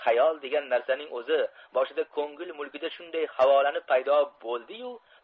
hayol degan narsaning o'zi boshida ko'ngil mulkida shunday havolanib paydo bo'ldi yu